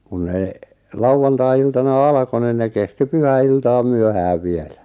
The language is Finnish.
kun ne lauantai-iltana alkoi niin ne kesti pyhäiltaan myöhään vielä